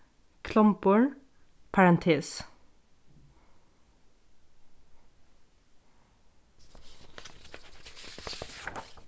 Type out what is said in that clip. klombur parantes